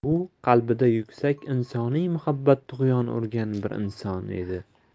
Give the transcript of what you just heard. u qalbida yuksak insoniy muhabbat tug'yon urgan bir inson edi